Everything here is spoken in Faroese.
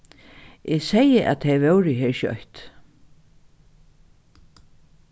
eg segði at tey vóru her skjótt